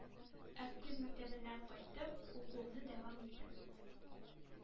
Аккүз мәктәбенә кайтып укуымны дәвам иттем...